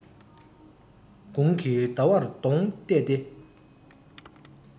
དགུང གི ཟླ བར གདོང གཏད དེ